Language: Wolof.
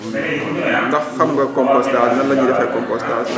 ndax xam nga ndax xam nga compostar nan la ñuy defee compostar